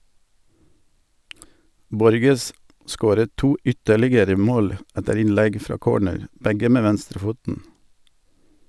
Borges scoret to ytterligere mål etter innlegg fra corner , begge med venstrefoten.